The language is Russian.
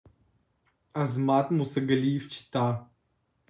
азамат мусагалиев чета